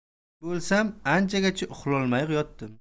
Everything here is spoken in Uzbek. men bo'lsam anchagacha uxlolmay yotdim